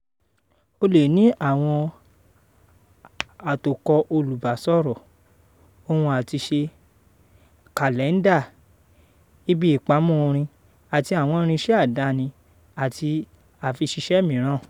Ó le ní àwọn àtòkọ olùbásọ̀rọ̀, ohun-àti-ṣe, kàlẹ́ńdà, ibi ìpamọ́ orin àti àwọn irinṣẹ́ àdáni àti àfyṣiṣẹ́ mìràn.